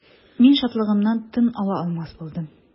Мин шатлыгымнан тын ала алмас булдым.